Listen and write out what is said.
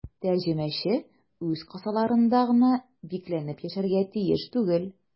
Тәрҗемәче үз кысаларында гына бикләнеп яшәргә тиеш түгел.